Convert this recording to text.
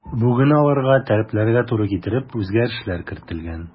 Бүген аларга таләпләргә туры китереп үзгәрешләр кертелгән.